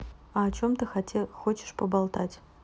а о чем ты хочешь поболтать